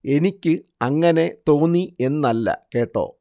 എനിക്ക് അങ്ങനെ തോന്നി എന്നല്ല കേട്ടോ